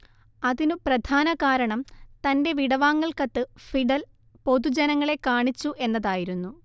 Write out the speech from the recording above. അതിനു പ്രധാനകാരണം തന്റെ വിടവാങ്ങൽ കത്ത് ഫിഡൽ പൊതുജനങ്ങളെ കാണിച്ചു എന്നതായിരുന്നു